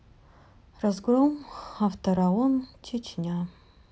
разгром автораон чечня